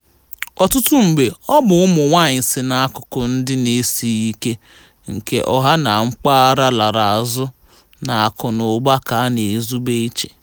Ọtụtụ mgbe, ọ bụ ụmụ nwaanyị si n'akụkụ ndị na-esighị ike nke ọha na mpaghara lara azụ na akụ na ụba ka a na-ezube iche.